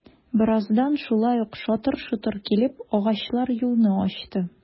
Бераздан шулай ук шатыр-шотыр килеп, агачлар юлны ачты...